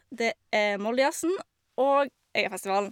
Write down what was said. Det er Moldejazzen og Øyafestivalen.